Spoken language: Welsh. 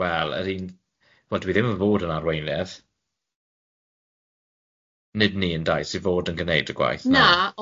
Wel, yr un wel dyw 'i ddim yn fod yn arweinydd, nid ni yn dau sydd fod yn gneud y gwaith ond...